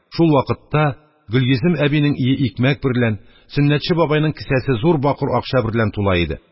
Шул вакытта гөлйөзем әбинең өе икмәк берлән, сөннәтче бабайның кесәсе зур бакыр акча берлән тула иде.